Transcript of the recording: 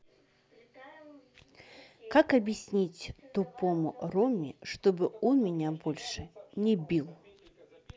как объяснить тупому роме чтобы он меня больше не бил